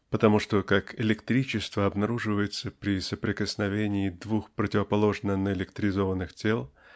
потому что как электричество обнаруживается при соприкосновении двух противоположно наэлектризованных тел